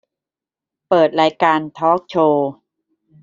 เปิดรายการทอล์คโชว์